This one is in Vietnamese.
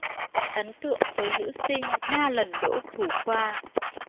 ấn tượng với nữ sinh ba lần đỗ thủ khoa